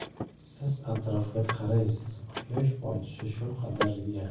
siz atrofga qaraysiz quyosh botishi shu qadar